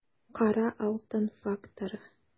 Кара алтын факторы